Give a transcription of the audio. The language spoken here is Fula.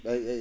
eyyi eyyi